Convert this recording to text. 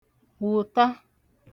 wụ̀ta